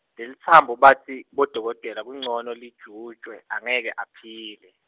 Lelitsambo batsi, bodokotela kuncono lijutjwe, angeke aphile.